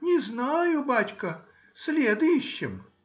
— Не знаю, бачка,— след ищем.